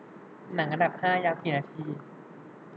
หนังอันดับห้ายาวกี่นาที